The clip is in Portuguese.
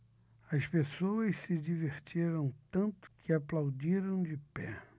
as pessoas se divertiram tanto que aplaudiram de pé